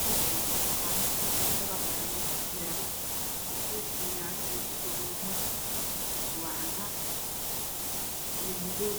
geed aya kabaxayo dabaq ayaa meesha kuyaalo sidee biyaano ayuu ka kooban yahay kalarkiisu waa cadaan iyo madoow